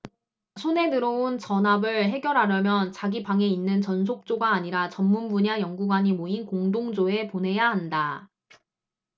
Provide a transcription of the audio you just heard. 손에 들어온 전합을 해결하려면 자기 방에 있는 전속조가 아니라 전문분야 연구관이 모인 공동조에 보내야 한다